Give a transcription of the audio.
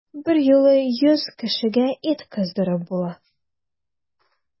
Берьюлы йөз кешегә ит кыздырып була!